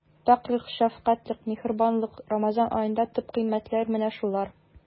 Пакьлек, шәфкатьлелек, миһербанлык— Рамазан аенда төп кыйммәтләр менә шулар.